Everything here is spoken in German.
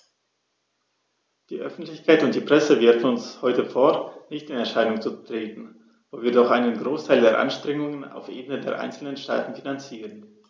Die Öffentlichkeit und die Presse werfen uns heute vor, nicht in Erscheinung zu treten, wo wir doch einen Großteil der Anstrengungen auf Ebene der einzelnen Staaten finanzieren.